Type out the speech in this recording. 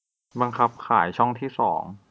บังคับขายช่องที่สอง